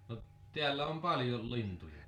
no täällä on paljon lintuja